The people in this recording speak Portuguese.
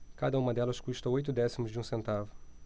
cada uma delas custa oito décimos de um centavo